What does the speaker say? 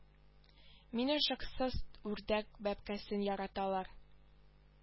Мине шыксыз үрдәк бәбкәсен яраталар